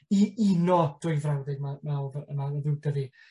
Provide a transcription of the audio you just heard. U- uno dwy frawddeg ma' me'wl by- yna ma'n ddrwg 'da fi.